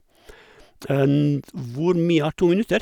d Hvor mye er to minutter?